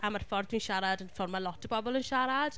a mae'r ffordd dwi'n siarad yn ffordd mae lot o bobl yn siarad...